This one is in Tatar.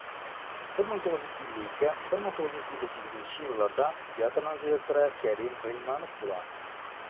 1951-1958 елларда театрның директоры кәрим гыйльманов була.